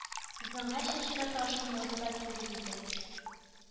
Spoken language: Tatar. Зыңа чәчкә ташу модада түгел иде